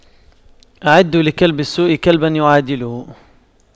أعدّوا لكلب السوء كلبا يعادله